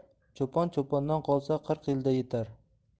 cho'pon cho'pondan qolsa qirq yilda yetar